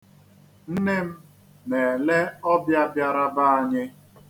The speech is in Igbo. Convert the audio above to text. Nne m na-ele ọbịa bịara be anyị.